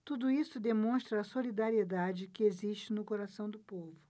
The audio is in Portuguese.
tudo isso demonstra a solidariedade que existe no coração do povo